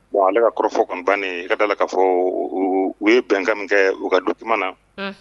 Bon ale ka kɔrɔfɔ kɔnni bannen i ka d'a la k'a fɔ, u ye bɛnkan min kɛ u ka document la Un!